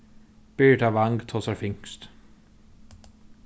birita vang tosar finskt